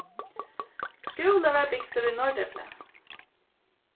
skúli varð bygdur í norðdepli